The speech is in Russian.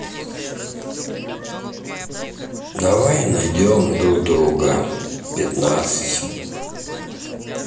давай найдем друг друга пятнадцать